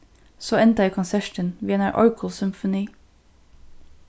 so endaði konsertin við einari orgulsymfoni